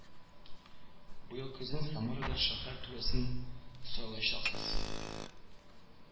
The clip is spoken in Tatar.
Быел көзен Самарада шәһәр түрәсен сайлаячаксыз